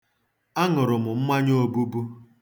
Aṅụrụ m mmanya obubu.